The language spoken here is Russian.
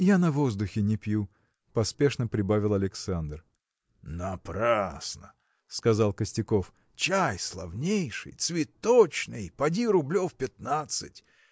– Я на воздухе не пью, – поспешно прибавил Александр. – Напрасно! – сказал Костяков – чай славнейший цветочный поди рублев пятнадцать.